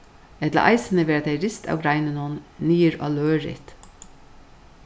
ella eisini verða tey rist av greinunum niður á lørift